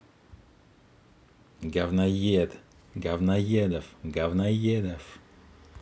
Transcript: гавнаед гавноедов говноедов